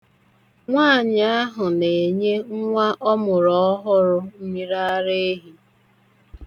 Nwaanyị ahụ na-enye nwa ọ mụrụ ọhụrụ mmiriaraehi.